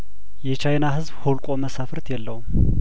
የቻይና ህዝብ ሁልቆ መሳፍርት የለውም